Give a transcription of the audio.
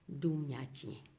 denw y'a tiɲɛ